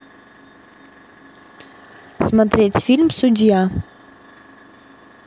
смотреть фильм судья